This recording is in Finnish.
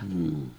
mm